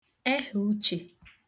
ehàuche